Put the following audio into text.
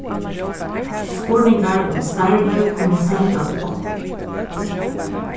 spurningar um starvið kunnu sendast okkum